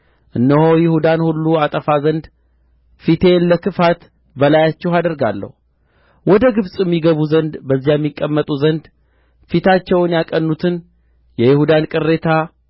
እነሆ ይሁዳን ሁሉ አጠፋ ዘንድ ፊቴን ለክፋት በላያችሁ አደርጋለሁ ወደ ግብጽም ይገቡ ዘንድ በዚያም ይቀመጡ ዘንድ ፊታቸውን ያቀኑትን የይሁዳን ቅሬታ